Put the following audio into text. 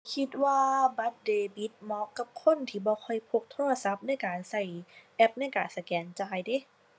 คิดว่าบัตรเดบิตเหมาะกับคนที่บ่ค่อยพกโทรศัพท์ในการใช้แอปในการสแกนจ่ายเดะ